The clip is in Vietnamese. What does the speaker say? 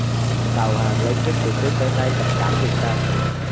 tàu hàng lớn nhất từ trước tới nay cập cảng việt nam